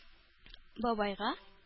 Бабайга